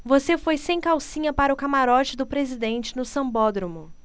você foi sem calcinha para o camarote do presidente no sambódromo